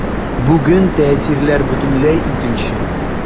Бүген тәэсирләр бөтенләй икенче.